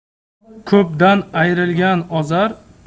ko'pdan ayrilgan ozar